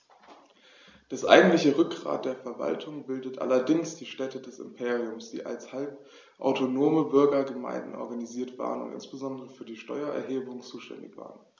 Das eigentliche Rückgrat der Verwaltung bildeten allerdings die Städte des Imperiums, die als halbautonome Bürgergemeinden organisiert waren und insbesondere für die Steuererhebung zuständig waren.